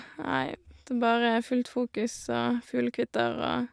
Nei, det er bare fullt fokus og fuglekvitter og...